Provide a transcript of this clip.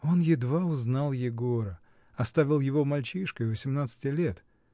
Он едва узнал Егора: оставил его мальчишкой восемнадцати лет.